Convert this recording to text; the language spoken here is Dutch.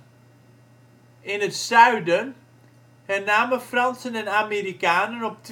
In het zuiden hernamen Fransen en Amerikanen op